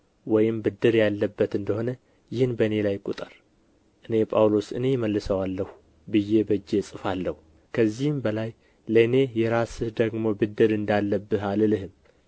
ወይም ብድር ያለበት እንደሆነ ይህን በእኔ ላይ ቍጠር እኔ ጳውሎስ እኔ እመልሰዋለሁ ብዬ በእጄ እጽፋለሁ ከዚህም በላይ ለእኔ የራስህ ደግሞ ብድር እንዳለብህ አልልህም